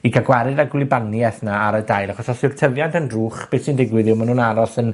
i ga'l gwared â gwlybanieth 'na ar y dail. Achos os yw'r tyfiant yn drwch, beth sy'n digwydd yw ma' nw'n aros yn